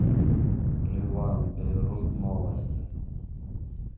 ливан бейрут новости